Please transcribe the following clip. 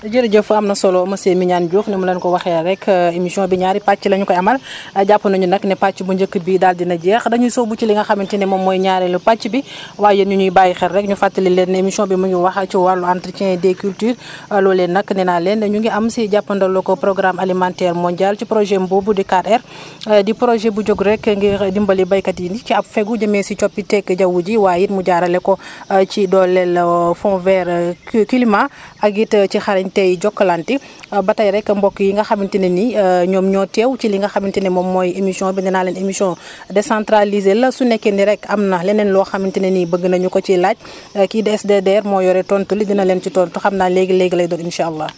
jërëjëf am na solo monsieur Mignane Diouf ni ma leen ko waxee rek émission bi ñaari pàcc la ñu koy amal jàpp nañu nag ne pàcc bu njëkk bi daal dina jeex dañuy sóobu ci li nga xamante ne moom mooy ñaareelu pàcc bi waaye yéen ñi ñuy bàyyi xel rek ñu fàttali leen ne émission bi mu ngi wax ci wàllu entretien des cultures loolee nag nee naa leen ne ñu ngi am si jàppandalug programme alimentaire mondial ci projet am boobu di 4R di projet bu jóg rek ngir dimbali béykat yi ni ci ab fegu jëmee si coppiteg jaww ji waaye it mu jaarale ko ci dooleel Fond vert climat ak it ci xarañtey Jokalante ba tey rek mbokk yi nga xamante ne ni ñoom ñoo teew ci li nga xamante ne moom mooy émission bi nee naa leen émission décentralisée la su nekkee ni rek am na leneen loo xamante ne ni bëgg nañu ko ci laaj kii di SDDR moo yore tontu li dina leen ci tontu xam naa léegi-léegi lay doon incha allah